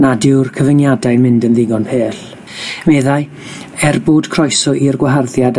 nad yw'r cyfyngiadau'n mynd yn ddigon pell, meddai Er bod croeso i'r gwaharddiad